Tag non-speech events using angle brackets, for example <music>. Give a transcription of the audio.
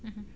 <hesitation> <hesitation>